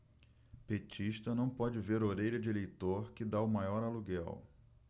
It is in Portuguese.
petista não pode ver orelha de eleitor que tá o maior aluguel